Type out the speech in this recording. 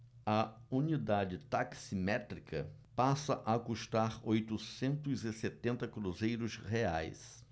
a unidade taximétrica passa a custar oitocentos e setenta cruzeiros reais